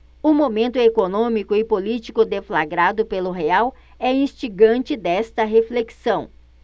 o momento econômico e político deflagrado pelo real é instigante desta reflexão